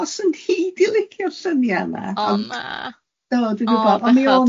o, swn i di licio'r lluniau na, ond 'na fo dwi'n gwybod